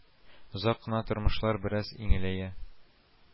Озак кына Тормышлар бераз иңеләя